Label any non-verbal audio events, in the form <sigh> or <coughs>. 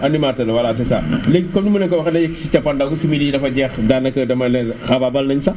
animateur la voilà c' est ça <coughs> léegi comme ni ma leen ko waxee na yegg si cappaandaw gi simili yi dafa jeex daanaka dama ne la xaabaabal nañ sax